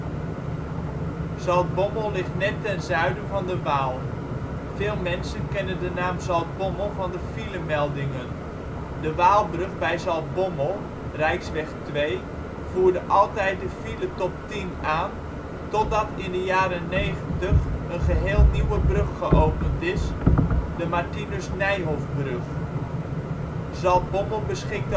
Zaltbommel ligt net ten zuiden van de Waal. Veel mensen kennen de naam Zaltbommel van de filemeldingen: de Waalbrug bij Zaltbommel (Rijksweg 2) voerde altijd de file-top-10 aan, totdat in de jaren ' 90 een geheel nieuwe brug geopend is, de Martinus Nijhoffbrug. Zaltbommel beschikt